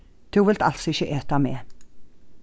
tú vilt als ikki eta meg